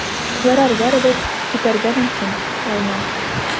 Ярар, барыбер, китәргә мөмкин, Гайнан.